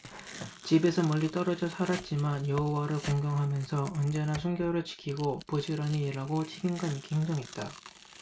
집에서 멀리 떨어져 살았지만 여호와를 공경하면서 언제나 순결을 지키고 부지런히 일하고 책임감 있게 행동했다